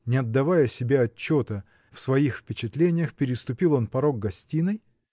Не отдавая себе отчета в своих впечатлениях, переступил он порог гостиной.